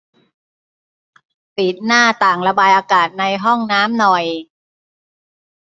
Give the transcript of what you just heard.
ปิดหน้าต่างระบายอากาศในห้องน้ำหน่อย